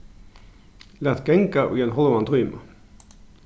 lat ganga í ein hálvan tíma